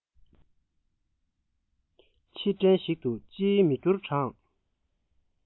ཕྱིར དྲན ཞིག ཏུ ཅིའི མི འགྱུར གྲང